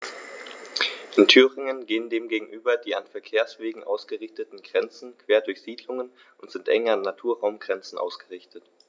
In Thüringen gehen dem gegenüber die an Verkehrswegen ausgerichteten Grenzen quer durch Siedlungen und sind eng an Naturraumgrenzen ausgerichtet.